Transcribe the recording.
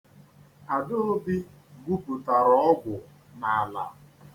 Adaobi gwupụtara ọgwụ n'ala.